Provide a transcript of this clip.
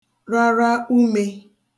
rara umē